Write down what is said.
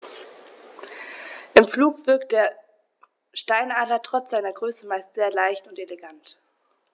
Im Flug wirkt der Steinadler trotz seiner Größe meist sehr leicht und elegant.